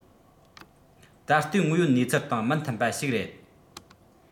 ད ལྟའི དངོས ཡོད གནས ཚུལ དང མི མཐུན པ ཞིག རེད